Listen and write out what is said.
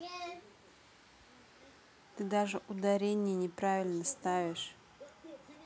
ты даже ударение неправильно ставишь